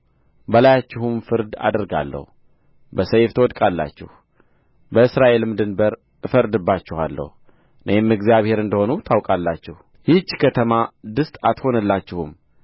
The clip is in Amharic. በላያችሁም ፍርድ አደርጋለሁ በሰይፍ ትወድቃላችሁ በእስራኤልም ድንበር እፈርድባችኋለሁ እኔም እግዚአብሔር እንደ ሆንሁ ታውቃላችሁ ይህች ከተማ ድስት አትሆንላችሁም